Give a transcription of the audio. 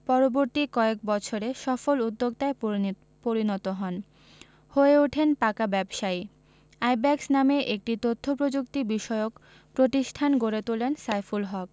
পরবর্তী কয়েক বছরে সফল উদ্যোক্তায় পরিনিত পরিণত হন হয়ে ওঠেন পাকা ব্যবসায়ী আইব্যাকস নামে একটি তথ্যপ্রযুক্তিবিষয়ক প্রতিষ্ঠান গড়ে তোলেন সাইফুল হক